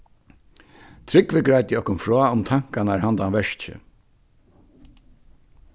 trygvi greiddi okkum frá um tankarnar handan verkið